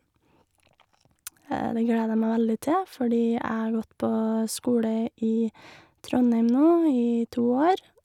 Og det gleder jeg meg veldig til fordi jeg har gått på skole i Trondheim nå i to år.